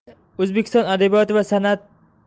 o'zbekiston adabiyoti va